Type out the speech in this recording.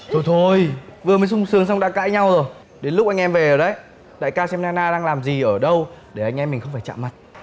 thôi thôi vừa mới sung sướng xong đã cãi nhau rồi đến lúc anh em về rồi đấy đại ca xem na na đang làm gì ở đâu để anh em mình không phải chạm mặt